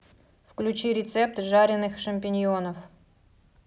включи рецепт жаренных шампиньонов